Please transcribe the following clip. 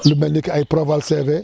lu mel ni que Proval CV